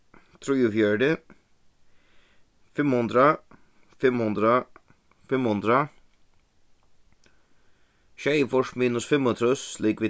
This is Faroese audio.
trýogfjøruti fimm hundrað fimm hundrað fimm hundrað sjeyogfýrs minus fimmogtrýss ligvið